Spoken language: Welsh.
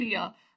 ...crio